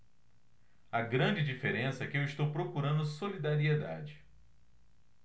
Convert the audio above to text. a grande diferença é que eu estou procurando solidariedade